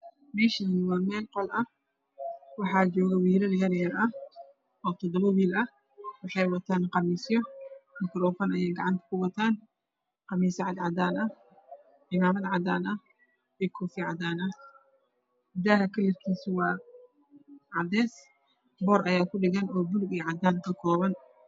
Meshan waa mel qaol ah wilal yar yar ha joga o todobo wil ah waxey watan qabisyo makarofan aye watan qabisyo cad cadan ah cimamad cad cadan ah iyo kofiyad cadan ah daha kalarkisa waa cadeys bor aya ku dhagan o bulug iyo cadan ah